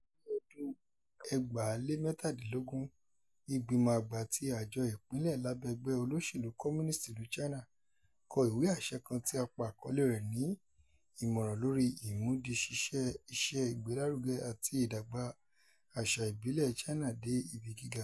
Ní ọdún 2017, ìgbìmọ̀ àgbà àti àjọ ìpínlẹ̀ lábẹ́ ẹgbẹ́ olóṣèlú Communist ìlú China kọ ìwé àṣẹ kan tí a pe àkọlée rẹ̀ ní "Ìmọ̀ràn lórí imúdiṣíṣẹ iṣẹ́ ìgbélárugẹ àti ìdàgbà àṣà ìbílẹ̀ China dé ibi gíga".